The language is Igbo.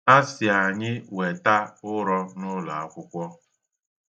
A si anyị weta ụrọ n'ụlọ akwụkwọ.